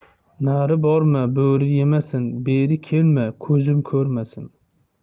nari borma bo'ri yemasin beri kelma ko'zim ko'rmasin